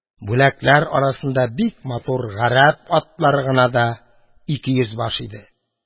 Бүләкләр арасында матур гарәп атлары гына да ике йөз баш иде.